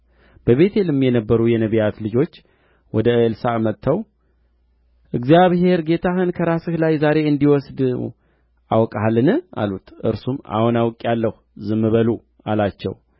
ኤልያስም ኤልሳዕን እግዚአብሔር ወደ ቤቴል ልኮኛልና በዚህ ቆይ አለው ኤልሳዕም ሕያው እግዚአብሔርን በሕያው ነፍስህም እምላለሁ አልለይህም አለ ወደ ቤቴልም ወረዱ